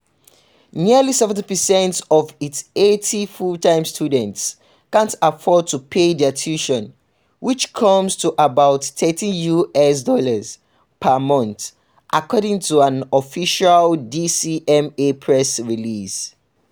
Nearly 70% of its 80 full-time students can't afford to pay their tuition, which comes to about $13 USD per month, according to an official DCMA press release.